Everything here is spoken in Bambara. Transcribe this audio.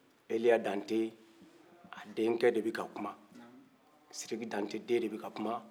eliya dante a den kɛ de be ka kuma naamu sidiki dante den de bɛ ka kuma